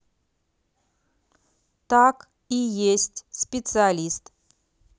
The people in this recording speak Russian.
так и есть специалист